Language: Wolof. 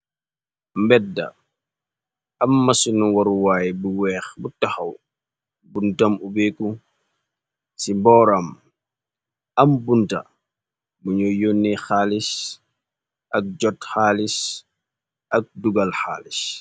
Mbedda , am masunu waruwaay bu weex bu taxaw, buntam ubeeku ci booram am bunta buñu yonne xaalis ak jot xaalis ak dugal xaalis.